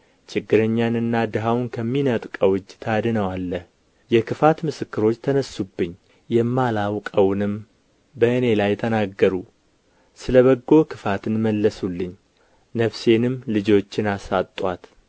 ችግረኛንና ድሀውንም ከሚነጥቀው እጅ ታድነዋለህ የክፋት ምስክሮች ተነሡብኝ የማላውቀውንም በእኔ ላይ ተናገሩ ስለ በጎ ክፋትን መለሱልኝ ነፍሴንም ልጆችን አሳጡአት